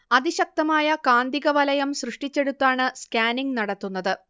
അതിശക്തമായ കാന്തിക വലയം സൃഷ്ടിച്ചെടുത്താണ് സ്കാനിങ് നടത്തുന്നത്